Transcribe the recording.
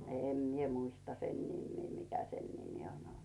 en minä muista sen nimeä mikä sen nimi on ollut